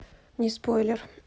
не спойлер